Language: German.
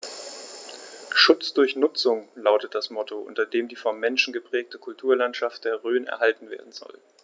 „Schutz durch Nutzung“ lautet das Motto, unter dem die vom Menschen geprägte Kulturlandschaft der Rhön erhalten werden soll.